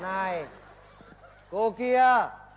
này cô kia